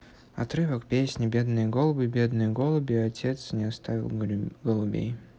отрывок песни бедные голуби бедные голуби отец не оставил голубей